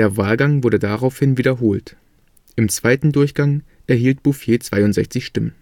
Wahlgang wurde daraufhin wiederholt. Im zweiten Durchgang erhielt Bouffier 62 Stimmen